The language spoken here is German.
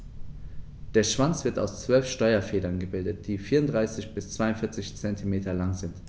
Der Schwanz wird aus 12 Steuerfedern gebildet, die 34 bis 42 cm lang sind.